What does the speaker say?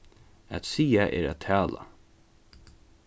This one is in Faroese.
at siga er at tala